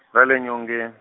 ra le nyongen-.